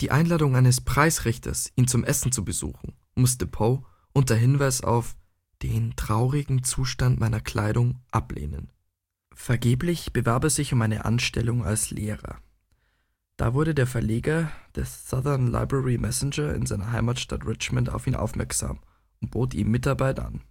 Einladung eines der Preisrichter, ihn zum Essen zu besuchen, musste Poe unter Hinweis auf den „ traurigen Zustand meiner Kleidung “ablehnen. Vergeblich bewarb er sich um eine Anstellung als Lehrer. Da wurde der Verleger des Southern Literary Messenger in seiner Heimatstadt Richmond auf ihn aufmerksam und bot ihm Mitarbeit an